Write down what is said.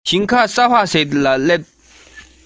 ཆ ཤས སུ གྱུར ནས ཟླ ངོ